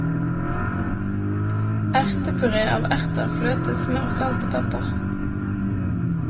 Ertepuré av erter, fløte, smør, salt og pepper.